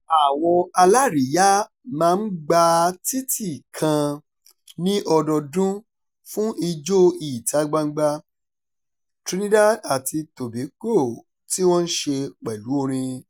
Àwọn alárìíyá máa ń gba títì kan ní ọdọọdún fún Ijó ìta-gbangba Ijó ìta-gbangba Trinidad àti Tobago, tí wọn ń ṣe pẹ̀lú orin.